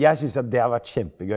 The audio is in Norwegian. jeg syns at det har vært kjempegøy.